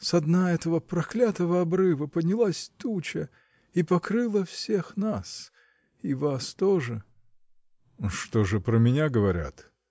Со дна этого проклятого обрыва поднялась туча и покрыла всех нас. и вас тоже. — Что же про меня говорят?